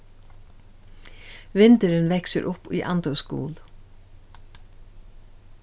vindurin veksur upp í andøvsgul